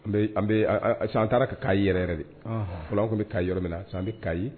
An bɛ an taara ka'a yɛrɛ yɛrɛ de fɔlɔ bɛ taa yɔrɔ min na sisan bɛ k'a ye